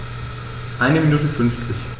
Eine Minute 50